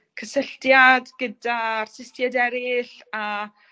cysylltiad gyda artistied eryll a